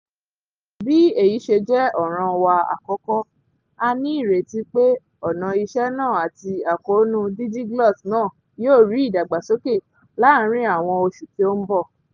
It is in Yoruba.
Bí èyí ṣe jẹ́ ọ̀ràn wa àkọ́kọ́, a ní ìrètí pé ọ̀nà ìṣe náà àti àkóónú DigiGlot náà yóò rí ìdàgbàsókè láàárín àwọn oṣù tí ó ń bọ̀.